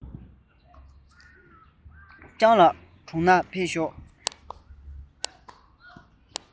ལྕམ ལགས གྲུང ན ཕེབས ཤོག